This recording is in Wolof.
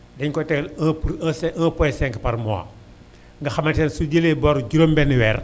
dañu koy tegal 1 pour 1.5 par mois nga xamante ne su jëlee bor juróomi weer